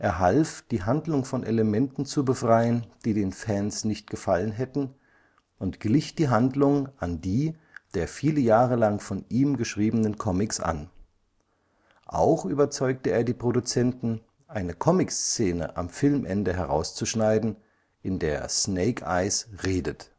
half, die Handlung von Elementen zu befreien, die den Fans nicht gefallen hätten, und glich die Handlung an die der viele Jahre lang von ihm geschriebenen Comics an. Auch überzeugte er die Produzenten, eine Comic-Szene am Filmende herauszuschneiden, in der Snake-Eyes redet